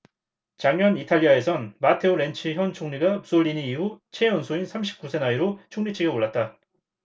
작년 이탈리아에선 마테오 렌치 현 총리가 무솔리니 이후 최연소인 삼십 구 세 나이로 총리직에 올랐다